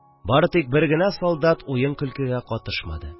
Бары тик бер генә солдат уен-көлкегә катышмады